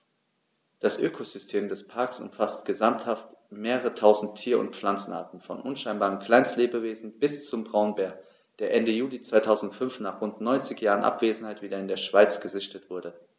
Das Ökosystem des Parks umfasst gesamthaft mehrere tausend Tier- und Pflanzenarten, von unscheinbaren Kleinstlebewesen bis zum Braunbär, der Ende Juli 2005, nach rund 90 Jahren Abwesenheit, wieder in der Schweiz gesichtet wurde.